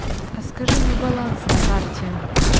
а скажи мой баланс на карте